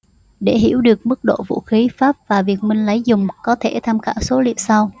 để hiểu được mức độ vũ khí pháp mà việt minh lấy dùng có thể tham khảo số liệu sau